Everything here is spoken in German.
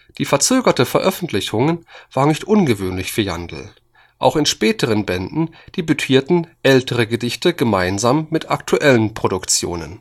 Die verzögerte Veröffentlichung war nicht ungewöhnlich für Jandl. Auch in späteren Bänden debütierten ältere Gedichte gemeinsam mit aktuellen Produktionen